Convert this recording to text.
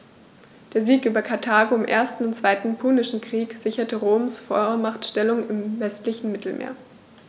Der Sieg über Karthago im 1. und 2. Punischen Krieg sicherte Roms Vormachtstellung im westlichen Mittelmeer.